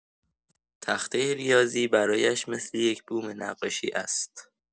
تخته ریاضی برایش مثل یک بوم نقاشی است.